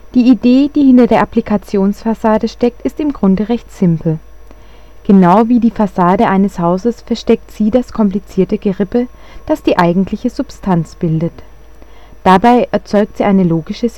Die Idee, die hinter der Applikations-Fassade steckt ist im Grunde recht simpel. Genau wie die Fassade eines Hauses versteckt sie das komplizierte Gerippe, das die eigentliche Substanz bildet. Dabei erzeugt sie eine logische Sichtweise